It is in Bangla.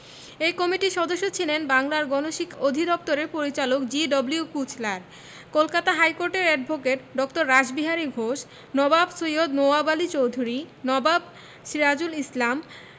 এ কমিটির সদস্য ছিলেন বাংলার গণশিক্ষা অধিদপ্তরের পরিচালক জি.ডব্লিউ কুচলার কলকাতা হাইকোর্টের অ্যাডভোকেট ড. রাসবিহারী ঘোষ নবাব সৈয়দ নওয়াব আলী চৌধুরী নবাব সিরাজুল ইসলাম